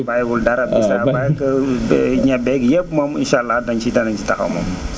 bàyyiwul dara comme ça da ko bay ñebeeg yëpp moom incha allah danañ ci danañ ci taxaw moom